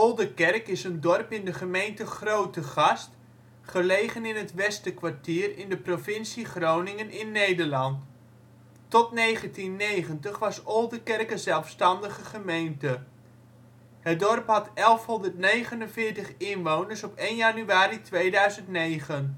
Ollekerk) is een dorp in de gemeente Grootegast, gelegen in het Westerkwartier in de provincie Groningen in Nederland. Tot 1990 was Oldekerk een zelfstandige gemeente. Het dorp had 1149 inwoners op 1 januari 2009. Het